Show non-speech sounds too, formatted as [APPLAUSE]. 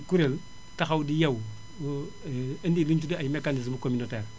ay kuréel taxaw di yeewu [HESITATION] indi li énu tuddee ay mécanismes communautaires